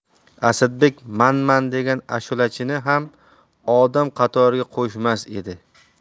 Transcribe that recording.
asadbek man man degan ashulachini ham odam qatoriga qo'shmas edi